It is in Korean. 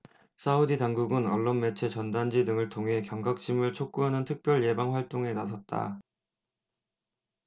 사우디 당국은 언론매체 전단지 등을 통해 경각심을 촉구하는 특별 예방 활동에 나섰다